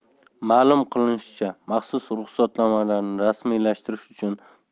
ma'lum qilinishicha maxsus ruxsatnomalarni rasmiylashtirish uchun